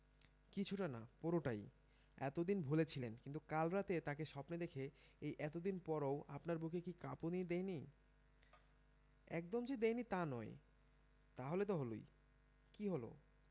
কিছুটা না পুরোটাই এত দিন ভুলে ছিলেন কিন্তু কাল রাতে তাকে স্বপ্নে দেখে এই এত দিন পরও আপনার বুকে কি কাঁপুনি দেয়নি একদম যে দেয়নি তা নয় তাহলে তো হলোই কী হলো